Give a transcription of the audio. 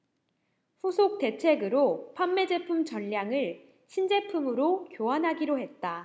후속 대책으로 판매 제품 전량을 신제품으로 교환하기로 했다